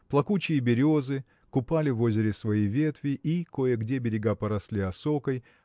Плакучие березы купали в озере свои ветви и кое-где берега поросли осокой